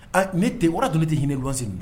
Aa ni tɛ wari don tɛ hinɛ gansin don